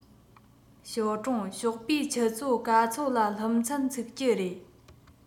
ཞའོ ཀྲུང ཞོགས པའི ཆུ ཚོད ག ཚོད ལ སློབ ཚན ཚུགས ཀྱི རེད